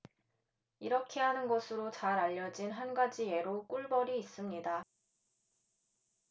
이렇게 하는 것으로 잘 알려진 한 가지 예로 꿀벌이 있습니다